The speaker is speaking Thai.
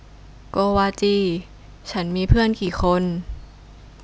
โกวาจีฉันมีเพื่อนกี่คน